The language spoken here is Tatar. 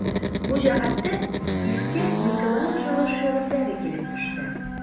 Бу җәһәттән искә Микеланджело шигырьләре килеп төште.